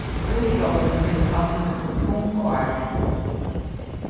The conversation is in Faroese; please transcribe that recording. útróðurin hevur havt nøkur tung ár